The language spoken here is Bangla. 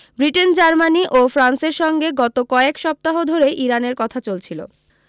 ব্রিটেন জার্মানি ও ফ্রান্সের সঙ্গে গত কয়েক সপ্তাহ ধরেই ইরানের কথা চলছিল